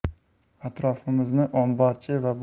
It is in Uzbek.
atrofimizni omborchi va